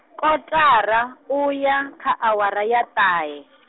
kotara, uya, kha awara ya ṱahe.